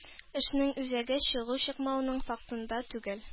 Эшнең үзәге чыгу-чыкмауның фактында түгел.